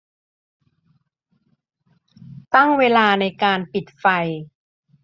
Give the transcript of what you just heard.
ตั้งเวลาในการปิดไฟ